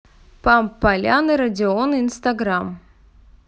pump поляны родион инстаграм